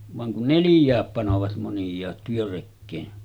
vaan kun neljää panevat moniaat työrekeen